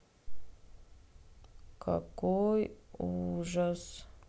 какой ужас